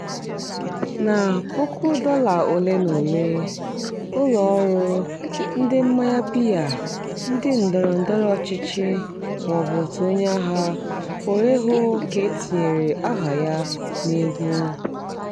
Na puku dollar ole na ole, “ụlọọrụ, ụdị mmanya biya, ndị ndọrọndọrọ ọchịchị, maọbụ otu onyeagha” pụrụ ịhụ ka e tinyere aha ya n’egwu.